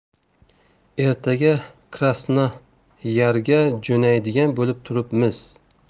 ertaga krasnoyarga jo'naydigan bo'lib turibmiz